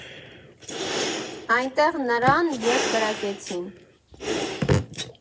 Այնտեղ նրան և կրակեցին։